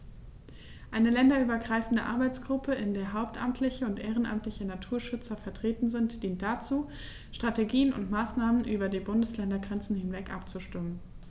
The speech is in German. Eine länderübergreifende Arbeitsgruppe, in der hauptamtliche und ehrenamtliche Naturschützer vertreten sind, dient dazu, Strategien und Maßnahmen über die Bundesländergrenzen hinweg abzustimmen.